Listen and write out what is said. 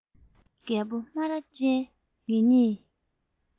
རྒད པོ སྨ ར ཅན ངེད གཉིས